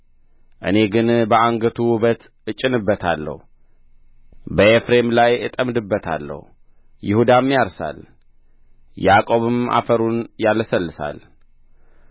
እኔ ግን በአንገቱ ውበት እጫንበታለሁ በኤፍሬም ላይ እጠምድበታለሁ ይሁዳም ያርሳል ያዕቆብም አፈሩን ያለሰልሳል